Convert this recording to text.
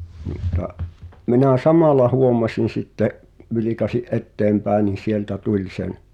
mutta minä samalla huomasin sitten vilkaisin eteenpäin niin sieltä tuli sen